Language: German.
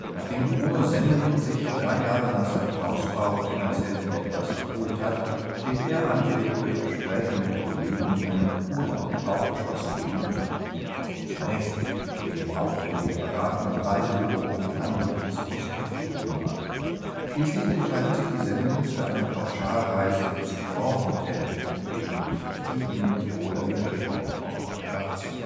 Nachdem Bruno Semmeling sich drei Jahre nach seinem Hausbau finanziell wieder etwas erholt hat, steht er, angeregt durch Gespräche mit Kollegen, einem Urlaub aufgeschlossen gegenüber. Doch zunächst stehen aufwendige Beratung im Reisebüro und langwieriges Prostpektstudium an. Schließlich entscheiden sich die Semmelings für eine Pauschalreise ins Grand-Hotel im (fiktiven) Tiroler Wintersportort Oertzl